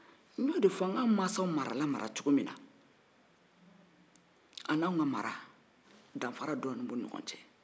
n y'o de fɔ k'anw mansaw marala mara cogo min na a n'anw ka mara danfara dɔɔnin b'u ni ɲɔgɔn cɛ